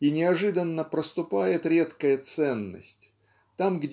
и неожиданно проступает редкая ценность. Там